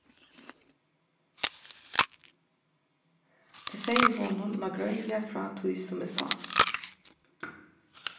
eg segði honum nágreiniliga frá tí sum eg sá